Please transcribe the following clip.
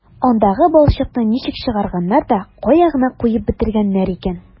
Андагы балчыкны ничек чыгарганнар да кая гына куеп бетергәннәр икән...